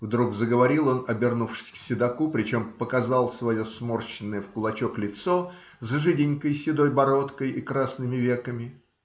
вдруг заговорил он, обернувшись к седоку, причем показал свое сморщенное в кулачок лицо с жиденькой седой бородкой и красными веками